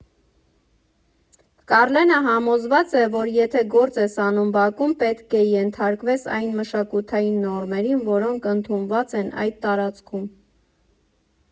Կառլենը համոզված է, որ եթե գործ ես անում բակում, պետք է ենթարկվես այն մշակութային նորմերին, որոնք ընդունված են այդ տարածքում.